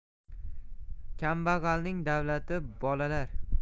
kambag'alning davlati bolalar